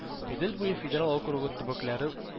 Идел буе федераль округы төбекләре